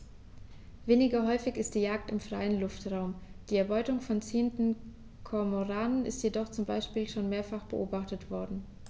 Weniger häufig ist die Jagd im freien Luftraum; die Erbeutung von ziehenden Kormoranen ist jedoch zum Beispiel schon mehrfach beobachtet worden.